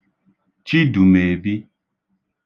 Chidùmèèbī